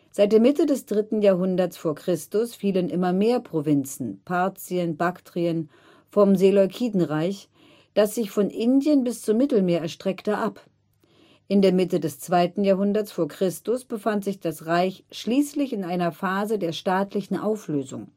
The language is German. Seit der Mitte des 3. Jahrhundert v. Chr. fielen immer mehr Provinzen (Parthien, Baktrien) vom Seleukidenreich, das sich von Indien bis zum Mittelmeer erstreckte, ab. In der Mitte des 2. Jahrhunderts v. Chr. befand sich das Reich schließlich in einer Phase der staatlichen Auflösung